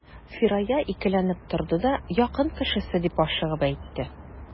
Фирая икеләнеп торды да: — Якын кешесе,— дип ашыгып әйтте.